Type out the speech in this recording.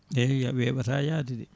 eyyi weeɓata yaade de